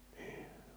niin